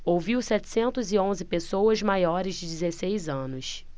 ouviu setecentos e onze pessoas maiores de dezesseis anos